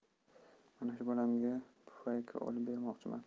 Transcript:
mana shu bolamga pufayka olib bermoqchiman